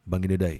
Banda ye